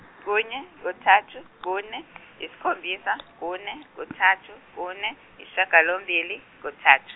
kunye kuthathu kunye isikhombisa kunye kuthathu kunye ishagalombili kuthathu.